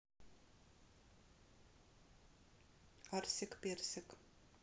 арсик персик